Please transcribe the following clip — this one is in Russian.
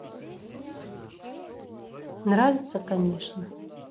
нравится конечно